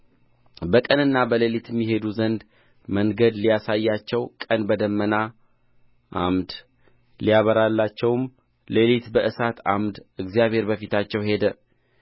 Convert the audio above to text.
በቀንና በሌሊትም ይሄዱ ዘንድ መንገድ ሊያሳያቸው ቀን በደመና ዓምድ ሊያበራላቸውም ሌሊት በእሳት ዓምድ እግዚአብሔር በፊታቸው ሄደ